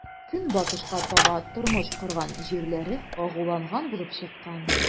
Көнбатышка таба тормыш корган җирләре агуланган булып чыккан.